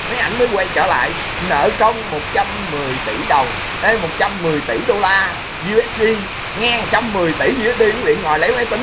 máy ảnh máy quay trở lại nợ công một trăm mười tỷ đồng thêm một trăm mười tỷ đô la diu ét i nghe một trăm mười tỉ diu ét đi quý vị ngồi lấy máy tính